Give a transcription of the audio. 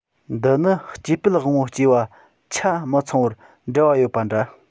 འདི ནི སྐྱེ འཕེལ དབང པོ སྐྱེས པ ཆ མི ཚང པར འབྲེལ བ ཡོད པ འདྲ